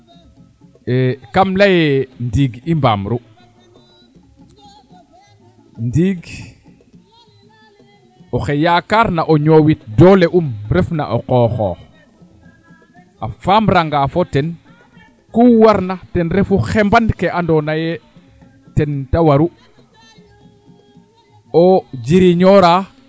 e kam leye ndiing i mbaam ru ndiing oxe yakaarna o ñowit doole um refna o qoxoox a faamra nga fo ten ku warna ten refu xemban ke ando naye ten te waru o jiriñoora